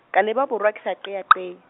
ka leba bora ke sa qeaqea.